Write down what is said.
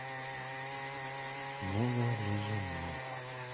много лизунов